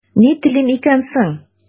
Ни телим икән соң?